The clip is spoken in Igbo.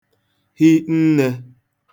hi nnē